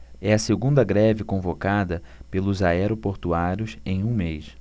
é a segunda greve convocada pelos aeroportuários em um mês